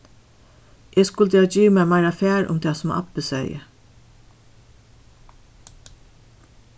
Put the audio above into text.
eg skuldi havt givið mær meira far um tað sum abbi segði